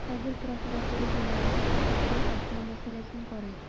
Хәзер прокуратура җинаять эшен ачу-ачмау мәсьәләсен карый.